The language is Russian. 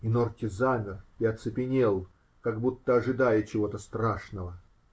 И Норти замер и оцепенел, как будто ожидая чего-то страшного.